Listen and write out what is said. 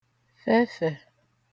fefè